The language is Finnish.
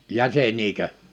jäseniäkö